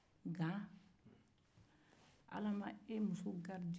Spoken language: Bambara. nga ala ma e muso garijɛgɛ